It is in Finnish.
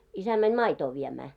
isä meni maitoa viemään